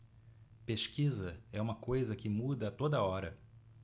pesquisa é uma coisa que muda a toda hora